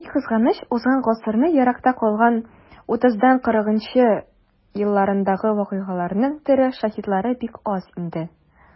Ни кызганыч, узган гасырның еракта калган 30-40 нчы елларындагы вакыйгаларның тере шаһитлары бик аз инде.